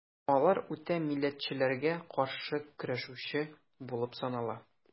Алар үтә милләтчеләргә каршы көрәшүче булып санала.